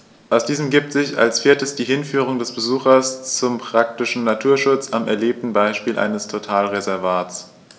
Aus diesen ergibt sich als viertes die Hinführung des Besuchers zum praktischen Naturschutz am erlebten Beispiel eines Totalreservats.